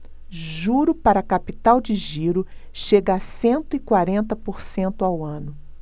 juro para capital de giro chega a cento e quarenta por cento ao ano